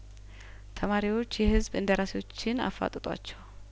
ተማሪዎች የህዝብ እንደራሴዎችን አፋጠ ጧችው